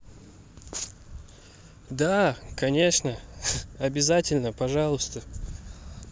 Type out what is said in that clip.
да конечно обязательно пожалуйста